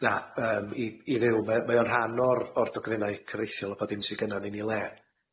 Na yym i i fyw mae o'n rhan o'r o'r dogfennau cyrreithiol a bod dim sy gynna yn yn 'i le.